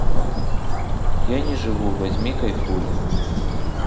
я не живу возьми кайфули